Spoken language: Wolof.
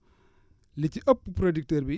li ci ëpp producteur bi